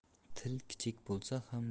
til kichik bo'lsa